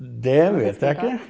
det vet jeg ikke.